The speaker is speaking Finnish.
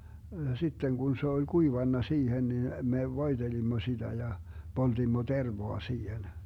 sitten kun se oli kuivanut siihen niin me voitelimme sitä ja poltimme tervaa siihen